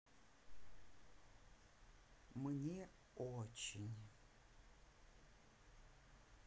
мне очень